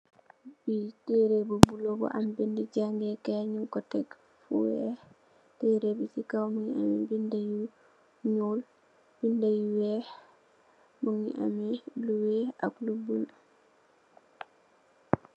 Bii tehreh bu bleu bu am bindue jaangeh kaii, njung kor tek fu wekh, tehreh bii cii kaw mungy ameh binda yu njull, binda yu wekh, mungy ameh lu wekh ak lu blue.